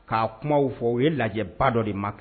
Ka'a kuma fɔ u ye lajɛba dɔ de ma kɛ